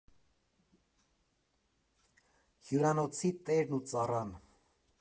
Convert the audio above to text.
Հյուրանոցի տերն ու ծառան։